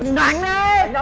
đánh đê